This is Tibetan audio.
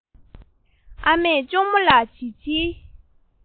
ཨ མས གཅུང མོ ལ བྱིལ བྱིལ